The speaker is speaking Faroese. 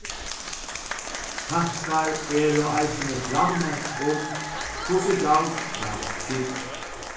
tankar eru eisini frammi um hvussu gjald kann skipast